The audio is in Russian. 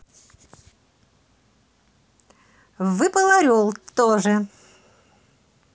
выпал орел тоже